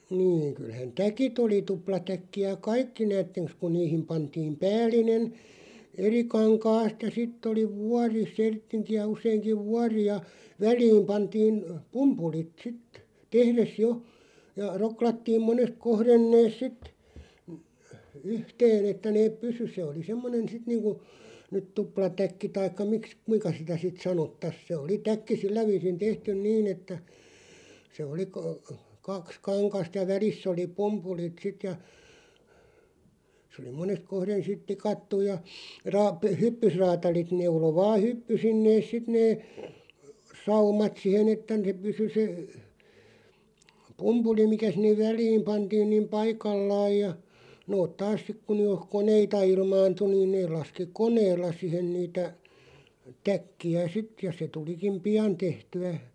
niin kyllähän täkit oli tuplatäkkejä kaikki näettekös kun niihin pantiin päällinen eri kankaasta ja sitten oli vuori serttinkiä useinkin vuori ja väliin pantiin pumpulit sitten tehdessä jo ja roklattiin monesta kohden ne sitten - yhteen että ne pysyi se oli semmoinen sitten niin kuin nyt tuplatäkki tai - kuinka sitä sitten sanottaisiin se oli täkki sillä viisin tehty niin että se oli - kaksi kangasta ja välissä oli pumpulit sitten ja se oli monesta kohden sitten tikattu ja - hyppysräätälit neuloi vain hyppysin ne sitten ne saumat siihen että se pysyi se pumpuli mikä sinne väliin pantiin niin paikallaan ja nuo taas sitten kun nyt jo koneita ilmaantui niin ne laski koneella siihen niitä täkkejä sitten ja se tulikin pian tehtyä